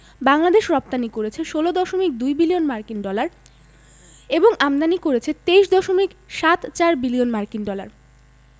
বাংলাদেশ রপ্তানি করেছে ১৬দশমিক ২ বিলিয়ন মার্কিন ডলার এবং আমদানি করেছে ২৩দশমিক সাত চার বিলিয়ন মার্কিন ডলার